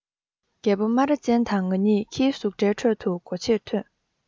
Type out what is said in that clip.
རྒད པོ སྨ ར ཅན དང ང གཉིས ཁྱིའི ཟུག སྒྲའི ཁྲོད དུ སྒོ ཕྱིར ཐོན